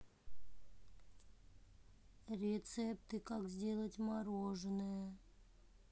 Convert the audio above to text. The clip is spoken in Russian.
рецепты как сделать мороженое